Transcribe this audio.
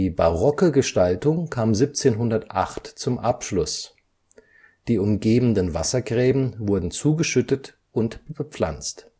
barocke Gestaltung kam 1708 zum Abschluss, die umgebenden Wassergräben wurden zugeschüttet und bepflanzt